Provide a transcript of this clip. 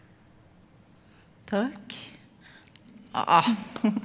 takk ja.